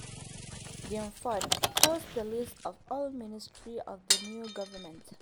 Denford posts the list of all ministers of the new government.